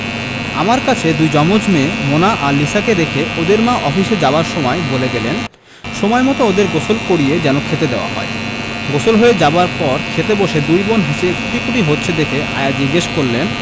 আমার কাছে দুই জমজ মেয়ে মোনা আর লিসাকে রেখে ওদের মা অফিসে যাবার সময় বলে গেলেন সময়মত ওদের গোসল করিয়ে যেন খেতে দেওয়া হয় গোসল হয়ে যাবার পর খেতে বসে দুই বোন হেসে কুটিকুটি হচ্ছে দেখে আয়া জিজ্ঞেস করলেন